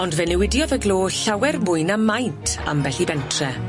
Ond fe newidiodd y glo llawer mwy na maint ambell i bentre.